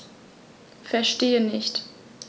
Verstehe nicht.